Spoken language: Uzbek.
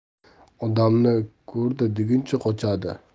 odamni ko'rdi deguncha qochadi